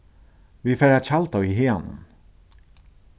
vit fara at tjalda í haganum